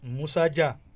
Moussa Dia